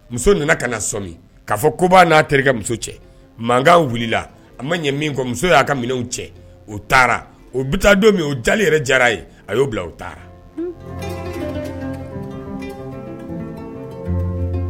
Muso nana ka na sɔ k'a fɔ koba n'a terikɛ muso cɛ mankan wulila a ma ɲɛ min kɔ muso y'a ka minɛnw cɛ o taara o bɛ taa don min o ja yɛrɛ jara ye a y'o bila u taara